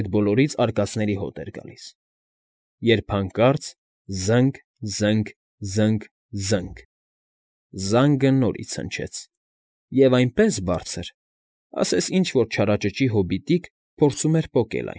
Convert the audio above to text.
Այդ բոլորից արկածների հոտ էր գալիս), երբ հանկարծ՝ զը՜նգ֊ զը՜նգ֊ զը՜նգ֊ զը՜նգ, զանգը նորից հնչեց, և այնպես բարձր, ասես ինչ֊որ չարաճճի հոբիտիկ փորձում էր պոկել։